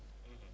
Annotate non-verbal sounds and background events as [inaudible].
[hesitation] [hesitation]